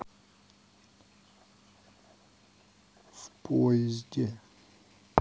в поезде